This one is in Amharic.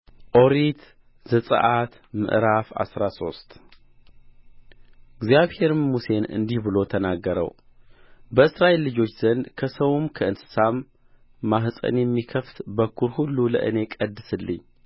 ኦሪት ዘጽአት ምዕራፍ አስራ ሶስት እግዚአብሔርም ሙሴን እንዲህ ብሎ ተናገርው በእስራኤል ልጆች ዘንድ ከሰውም ከእንስሳም ማሕፀንን የሚከፈት በኵር ሁሉ ለእኔ ቀድስልኝ